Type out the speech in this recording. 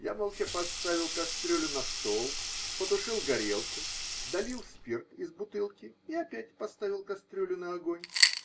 Я молча поставил кастрюлю на стол, потушил горелку, долил спирт из бутылки и опять поставил кастрюлю на огонь.